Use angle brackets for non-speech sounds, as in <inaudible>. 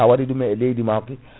a waɗi ɗum e leydi ma <breath>